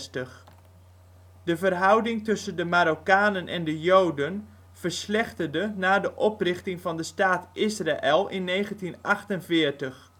De verhouding tussen de Marokkanen en de Joden verslechterde na de oprichting van de staat Israël in 1948. De